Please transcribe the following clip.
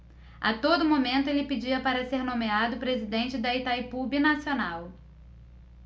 a todo momento ele pedia para ser nomeado presidente de itaipu binacional